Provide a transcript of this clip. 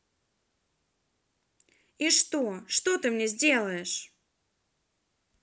и что что ты мне сделаешь